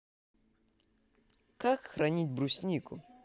как хранить бруснику